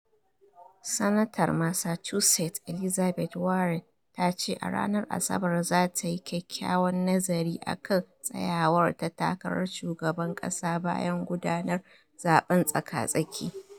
Sanatar Massachusetts Elizabeth Warren ta ce a ranar Asabar za ta yi "kyakkyawan nazari’’ akan tsayawar ta takarar Shugaban kasa bayan gudanar zaben tsaka-tsaki.